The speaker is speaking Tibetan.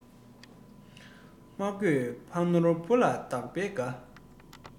མ བཀོད ཕ ནོར བུ ལ བདག པ དཀའ